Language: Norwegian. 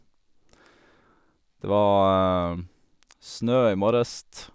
Det var snø i morges.